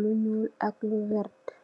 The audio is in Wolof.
lu nuul ak lu vertax.